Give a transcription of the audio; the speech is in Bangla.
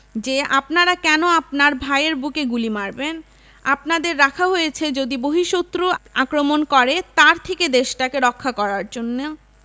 যে আপনারা কেন আপনার ভায়ের বুকে গুলি মারবেন আপনাদের রাখা হয়েছে যদি বহিঃশত্রু আক্রমণ করে তার থেকে দেশটাকে রক্ষা করার জন্য